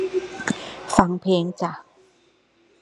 ฟังเพลงจ้ะ